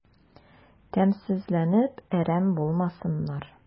Тәмсезләнеп әрәм булмасыннар...